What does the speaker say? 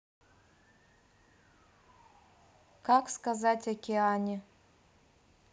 как сказать океане